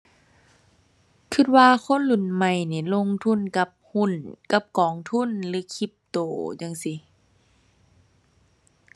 คิดว่าคนรุนใหม่นี่ลงทุนกับหุ้น กับกองทุน หรือคริปโตจั่งซี้